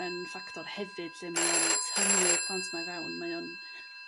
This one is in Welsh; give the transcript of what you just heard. yn ffactor hefyd lle mae o'n tynnu plant 'ma i fewn mae o'n